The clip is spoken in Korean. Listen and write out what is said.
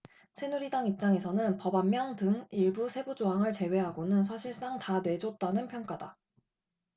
새누리당 입장에서는 법안명 등 일부 세부조항을 제외하고는 사실상 다 내줬다는 평가다